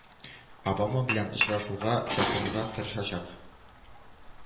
Обама белән очрашуга чакырырга тырышачак